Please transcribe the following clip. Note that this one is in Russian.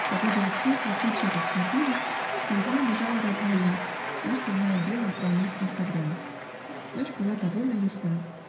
Погода утихла, тучи расходились, перед ним лежала равнина, устланная белым волнистым ковром. Ночь была довольно ясна.